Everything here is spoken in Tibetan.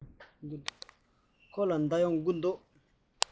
ཁོ ལ སྒོར དགུ འདུག